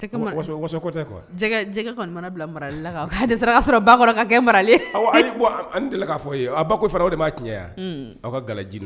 Tɛkɛ maa waso waso ko tɛ quoi jɛgɛ jɛgɛ kɔnI mana bila marali la kab a dɛsɛra ka sɔrɔ ba kɔnɔ ka kɛ marali ye awɔ ayi bon an n delila k'a delila ka fɔ i ye a ba ko fera o de m'a tiɲɛ aa unnn aw ka galaji nu